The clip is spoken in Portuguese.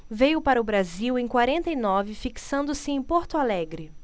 veio para o brasil em quarenta e nove fixando-se em porto alegre